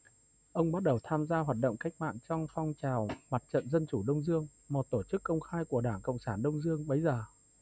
ông bắt đầu tham gia hoạt động cách mạng trong phong trào mặt trận dân chủ đông dương một tổ chức công khai của đảng cộng sản đông dương bấy giờ